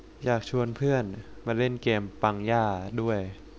อยากชวนเพื่อนมาเล่นเกมปังย่าด้วย